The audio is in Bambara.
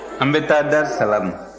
an bɛ taa dar-salam